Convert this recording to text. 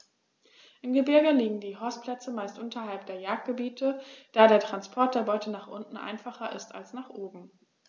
Im Gebirge liegen die Horstplätze meist unterhalb der Jagdgebiete, da der Transport der Beute nach unten einfacher ist als nach oben.